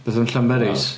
Beth am Llanberis?